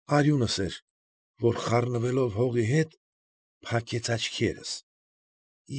Արյունս էր, որ խառնվելով հողի հետ, փակեց աչքերս։